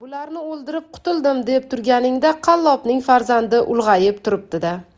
bularni o'ldirib qutuldim deb turganingda qallobning farzandi ulg'ayib turibdi da